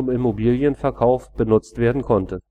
Immobilienkauf benutzt werden konnte